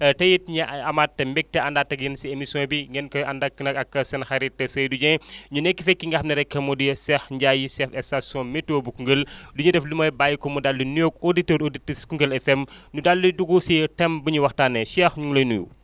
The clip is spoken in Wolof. tey it ñu amaat mbégte àndaat ak yéen si émission bi ngeen koy ànd ak nag ak seen xarit Seydou Dieng ñu nekk feeg ki nga xam ne rek moo di Cheikh Ndiaye chef station météo bu Koungheul du ñu def lu moy bàyyi ko mu daal di nuyoog auditeurs auditrices Koungheul FM ñu daal di dugg si thème bu ñuy waxtaanee Cheikh ñu ngi lay nuyu